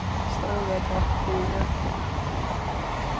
stóra takk fyri